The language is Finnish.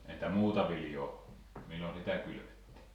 entä muuta viljaa milloin sitä kylvettiin